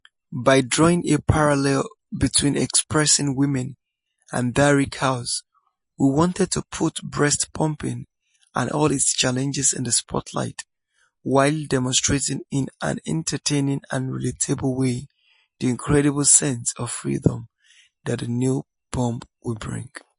By drawing a parallel between expressing women and dairy cows we wanted to put breast pumping and all its challenges in the spotlight, while demonstrating in an entertaining and relatable way the incredible sense of freedom that the new pump will bring.